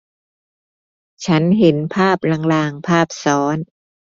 ฉันเห็นภาพรางรางภาพซ้อน